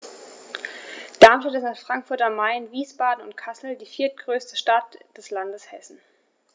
Darmstadt ist nach Frankfurt am Main, Wiesbaden und Kassel die viertgrößte Stadt des Landes Hessen